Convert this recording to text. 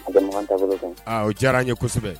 a o diyara an ye kosɛbɛ